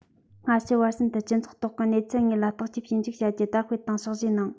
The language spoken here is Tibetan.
སྔ ཕྱི བར གསུམ དུ སྤྱི ཚོགས ཐོག གི གནས ཚུལ དངོས ལ བརྟག དཔྱད ཞིབ འཇུག བྱ རྒྱུ དར སྤེལ དང ཕྱག བཞེས གནང